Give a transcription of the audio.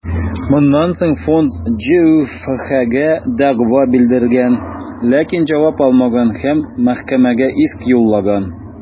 Моннан соң фонд ҖҮФХгә дәгъва белдергән, ләкин җавап алмаган һәм мәхкәмәгә иск юллаган.